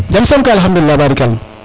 jam som kay alkhadoulaila barikala